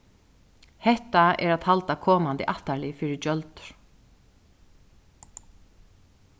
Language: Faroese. hetta er at halda komandi ættarlið fyri gjøldur